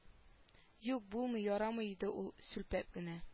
Юк булмый ярамый диде ул сүлпән генә